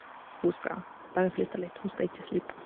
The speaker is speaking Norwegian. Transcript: Hun skal bare flytte litt, hun skal ikke slipe.